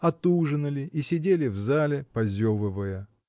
Отужинали и сидели в зале, позевывая.